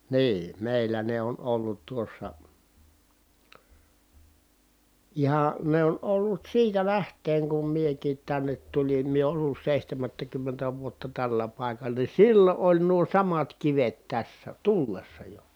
niin meillä ne on ollut tuossa ihan ne on ollut siitä lähtien kun minäkin tänne tulin minä ollut seitsemättäkymmentä vuotta tällä paikalla niin silloin oli nuo samat kivet tässä tullessa jo